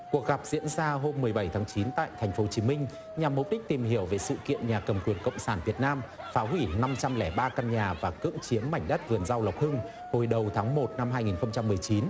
cuộc gặp diễn ra hôm mười bảy tháng chín tại thành phố hồ chí minh nhằm mục đích tìm hiểu về sự kiện nhà cầm quyền cộng sản việt nam phá hủy năm trăm lẻ ba căn nhà và cưỡng chiếm mảnh đất vườn rau lộc hưng hồi đầu tháng một năm hai nghìn không trăm mười chín